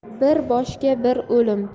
bir boshga bir o'lim